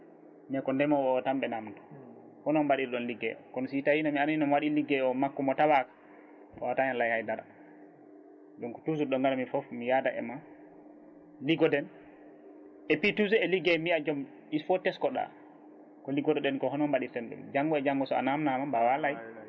mais ko ndeema o tan ɓe namdi hono mbaɗirɗon ligguey o comme si tawi mi arino mi waɗi ligguey o makkumo tawaka wawata hen laay haydara donc toujours ɗo garmi foof mi yaada e ma liggoɗen epuis toujours e ligguey mbiya joom il faut teskoɗa ko liggotoɗen ko hono mbaɗirten ɗum janggo e janggo sa namdama mbawa laay